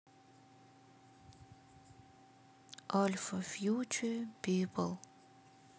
альфа фьючи пипл